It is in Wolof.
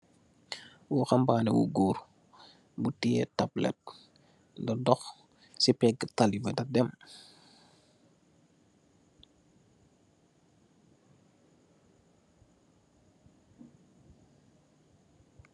Waxu'mbani wu gór, bu teyeh tablet da dox si pegga talibi di dem.